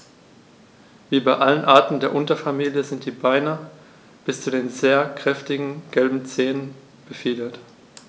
Wie bei allen Arten der Unterfamilie sind die Beine bis zu den sehr kräftigen gelben Zehen befiedert.